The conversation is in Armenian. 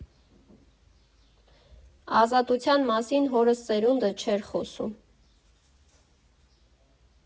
Ազատության մասին հորս սերունդը չէր խոսում.